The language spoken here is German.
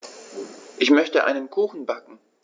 Ich möchte einen Kuchen backen.